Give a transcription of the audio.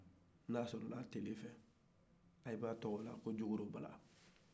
n'a sɔrɔla tile fɛ aw b'a tɔgɔda ko jogoro bala